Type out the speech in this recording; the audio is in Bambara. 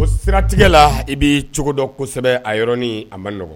o siratigɛ la i bɛ cogo dɔ kosɛbɛ aɔrɔnɔni a man n nɔgɔ